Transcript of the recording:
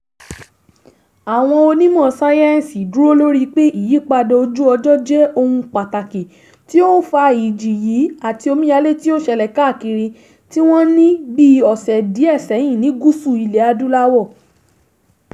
Àwọn onímọ̀ sáyẹ́ǹsì dúró lórí pé ìyípadà ojú ọjọ́ jẹ́ ohun pàtàkì tí ó ń fa ìjì yìí àti omíyalé tí ó ń ṣẹlẹ̀ káàkiri tí wọ́n ní bíi ọ̀sẹ̀ díẹ̀ sẹ́yìn ní gúúsù ilẹ̀ Adúláwò.